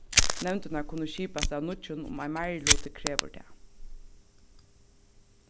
nevndirnar kunnu skipast av nýggjum um ein meiriluti krevur tað